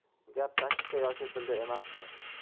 gap taktika yoki tilda emasdi